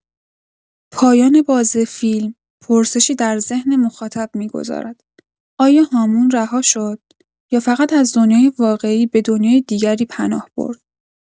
پایان باز فیلم، پرسشی در ذهن مخاطب می‌گذارد: آیاهامون رها شد، یا فقط از دنیای واقعی به دنیای دیگری پناه برد؟